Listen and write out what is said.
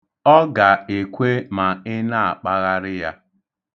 Ọ ga-ekwe ma ị na-akpagharị ya.